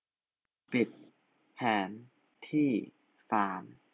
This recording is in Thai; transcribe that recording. ปิดแผนที่ฟาร์ม